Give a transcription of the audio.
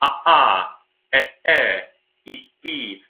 a a e e i i